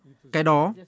cái đó